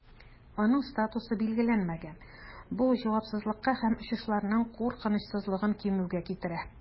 Аның статусы билгеләнмәгән, бу җавапсызлыкка һәм очышларның куркынычсызлыгын кимүгә китерә.